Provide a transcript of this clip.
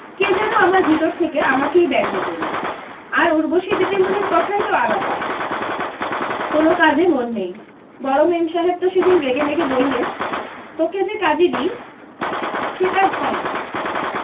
কে যেন আমার ভিতর থেকে আমাকেই ব্যঙ্গ করলো আর ঊর্বশী দিদিমণির কথাই তো আলাদা কোনো কাজে মন নেই বড় মেমসাহেব তো সেদিন রেগেমেগে বললেন তোকে যে কাজি দিই সে কাজ হয় না